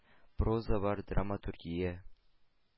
Проза бар, драматургия...